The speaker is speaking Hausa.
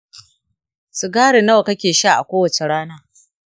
sigari nawa kake sha a kowace rana?